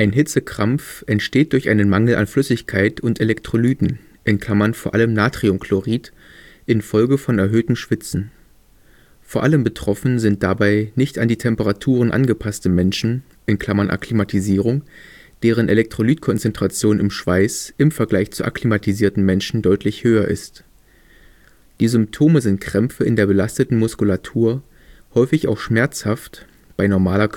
Hitzekrampf entsteht durch einen Mangel an Flüssigkeit und Elektrolyten (vor allem Natriumchlorid) infolge von erhöhtem Schwitzen. Vor allem betroffen sind dabei nicht an die Temperaturen angepasste Menschen (Akklimatisierung), deren Elektrolytkonzentration im Schweiß im Vergleich zu akklimatisierten Menschen deutlich höher ist. Die Symptome sind Krämpfe in der belasteten Muskulatur, häufig auch schmerzhaft, bei normaler